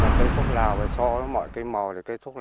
và cây thuốc lào thì so với mọi cây mò thì cây thuốc